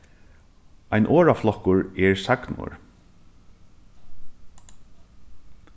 ein orðaflokkur er sagnorð